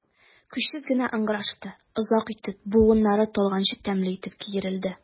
Көчсез генә ыңгырашты, озак итеп, буыннары талганчы тәмле итеп киерелде.